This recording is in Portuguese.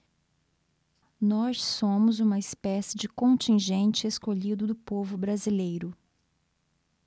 nós somos uma espécie de contingente escolhido do povo brasileiro